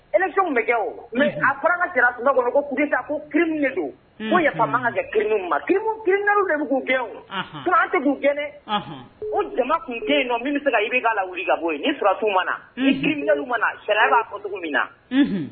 Ejw bɛ kɛ o a fɔra jaraba kɔnɔ ko ko kiiriumu don ko yafa makan ka kɛ kiw ma kirinina de'u kɛ o tɛ k'u kɛnɛ u jama tun ke yen nɔn min bɛ se ka i' la wuli ka bɔ ni sufin manaina mana sariya fɔ dugu min na